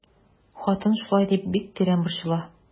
Хатын шулай дип бик тирән борчыла.